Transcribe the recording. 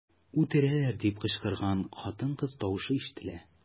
"үтерәләр” дип кычкырган хатын-кыз тавышы ишетелә.